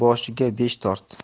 boshiga besh tort